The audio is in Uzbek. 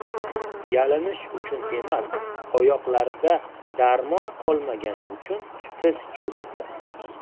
yalinish uchun emas oyoqlarida darmon qolmagani uchun tiz cho'kdi